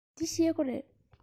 འདི ཤེལ སྒོ རེད